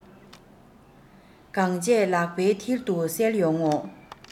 གང བྱས ལག པའི མཐིལ དུ གསལ ཡོང ངོ